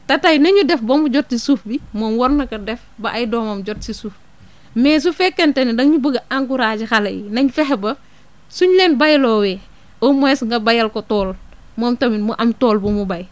te tey ni ñu def ba mu jot si suuf bi moom war na ko def ba ay doomam jot si suuf mais su fekkente ne danga bëgg a encouragé xale yi nañ fexe ba suñ leen bayloowee au moins nga bayal ko tool moom tamit mu am tool bu mu bay